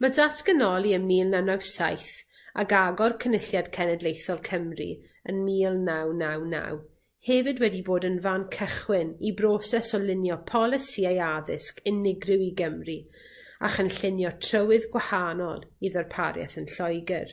Ma' datganoli ym mil naw naw saith ag agor Cynulliad Cenedlaethol Cymru yn mil naw naw naw hefyd wedi bod yn fan cychwyn i broses o lunio polisïau addysg unigryw i Gymru a chynllunio trywydd gwahanol i'r ddarpariaeth yn Lloegyr.